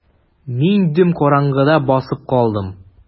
Мин дөм караңгыда басып калдым.